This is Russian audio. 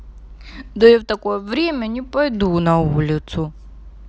да я в такое время не пойду на улицу